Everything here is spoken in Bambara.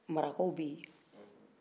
marakaw bɛ ye